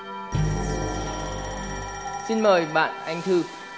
xin mời bạn anh thư